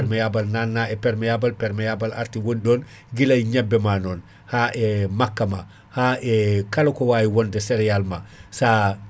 perméable nanna e perméable perméable arti woni ɗon guilay ñebe ma non ha ee makka ma ha e kala ko wawi wonde céréale ma saa